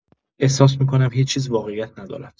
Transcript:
احساس می‌کنم هیچ‌چیز واقعیت ندارد.